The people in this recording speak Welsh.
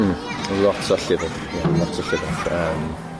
Mm ma' lot o llyfyr ma' lot o llefyr yym